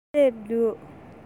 སླེབས འདུག